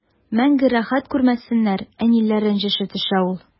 Мәңге рәхәт күрмәсеннәр, әниләр рәнҗеше төшә ул.